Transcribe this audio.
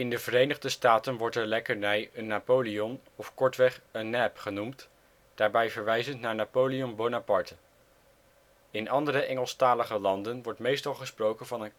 de Verenigde Staten wordt de lekkernij een napoleon of kortweg a nap genoemd, daarbij verwijzend naar Napoleon Bonaparte. In andere Engelstalige landen wordt meestal gesproken van een